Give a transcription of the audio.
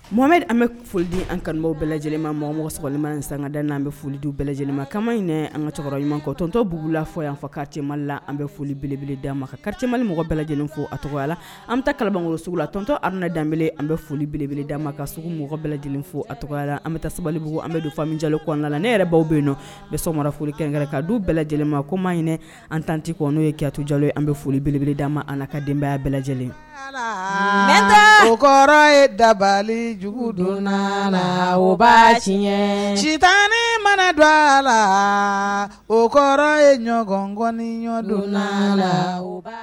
Mohamadu an bɛ folidi an kanubaw bɛɛ lajɛlen ma mɔgɔ mɔgɔsuganlima in sangad an bɛ foli dun bɛɛ lajɛlen kama in n an ka cɛkɔrɔba ɲuman kɔ tɔntɔ bugu la fɔ yan an fɔ katɛmala an bɛ foli belebele'a ma ka karitɛma mɔgɔ bɛɛ lajɛlen fo a tɔgɔya an bɛ taa kalagolo sugu la tɔnto haruna dan dabele an bɛ foli belebele da ma ka sugu mɔgɔ bɛɛ lajɛlen fo a tɔgɔla an bɛ taa sabalibalibuguugu an bɛ don faami ja kɔnda la ne yɛrɛ baw bɛ yen nɔ bɛ sora foli kɛkɛ ka du bɛɛ lajɛlen ko ma ɲininɛ an tanti kɔnɔ n'o ye kɛtu jalo an bɛ foli belebele daama an ka denbayaya bɛɛ lajɛlen aata o ye dabalijugu don la baasi tiɲɛ citaani mana don a la o kɔrɔ ye ɲɔgɔn ŋɔni ɲɔgɔndonla